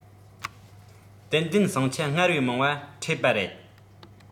ཏན ཏན ཟིང ཆ སྔར བས མང བ འཕྲད པ རེད